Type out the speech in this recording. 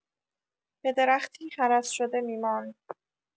به درختی هرس شده می‌ماند.